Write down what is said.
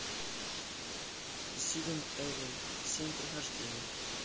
resident evil семь прохождение